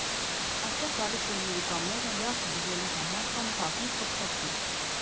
Այստեղ գալիս էին երիկամները, լյարդը բուժելու համար, կամ ուղղակի չոփչոփի։